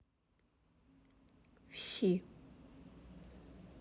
в щи